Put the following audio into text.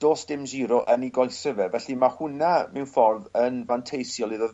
do's dim Giro yn 'i goese fe felly ma' hwnna mewn ffordd yn fanteisiol iddo